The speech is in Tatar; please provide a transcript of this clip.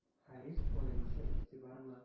Харис аеруча игътибарлы.